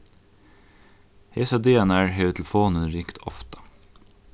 hesar dagarnar hevur telefonin ringt ofta